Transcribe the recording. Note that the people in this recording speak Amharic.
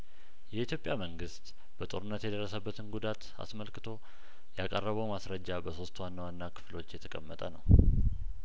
የኢትዮጵያ መንግስት በጦርነት የደረሰ በትን ጉዳት አስመልክቶ ያቀረበው ማስረጃ በሶስት ዋና ዋና ክፍሎች የተቀመጠ ነው